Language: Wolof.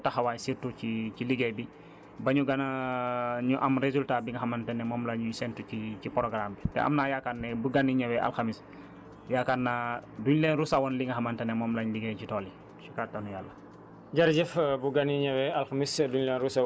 di leen ñaax surtout ñu gën a doole ñu gën a yokku taxawaay surtout ci ci liggéey bi ba ñu gen a ñu am résultat bi nga xamante ne moom la ñuy séntu ci ci programme bi te am naa yaakaar ne bu gan yi ñëwee alxames yaakaar naa duñ leen rus a wan li nga xamante ne moom lañ liggéey ci tool yi si kàttanu Yàlla